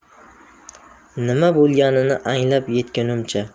nima bo'lganini anglab yetgunimcha